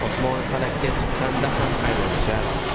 osmoni falakka chiqqanda ham aylanishar